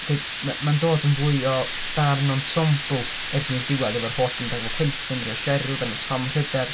deud, ma' ma'n dod yn fwy o ddarn ensemble erbyn y diwedd. Efo'r holl, wedyn dan ni efo Quentin, dan ni efo Cheryl da ni efo Tom Rhydderch.